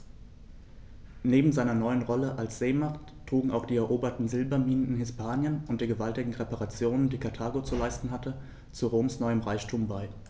Neben seiner neuen Rolle als Seemacht trugen auch die eroberten Silberminen in Hispanien und die gewaltigen Reparationen, die Karthago zu leisten hatte, zu Roms neuem Reichtum bei.